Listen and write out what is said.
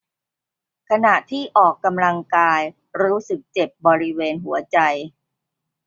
ขณะที่ออกกำลังกายรู้สึกเจ็บบริเวณหัวใจ